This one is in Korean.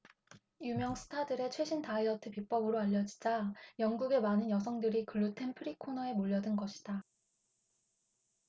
유명 스타들의 최신 다이어트 비법으로 알려지자 영국의 많은 여성들이 글루텐 프리 코너에 몰려든 것이다